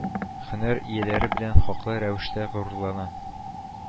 Һөнәр ияләре белән хаклы рәвештә горурлана